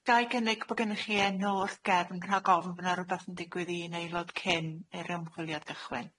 Ga i gynnig bo' gynnoch chi enw wrth gefn rhag ofn bo' 'na rwbath yn digwydd i un aelod cyn i'r ymchwiliad gychwyn.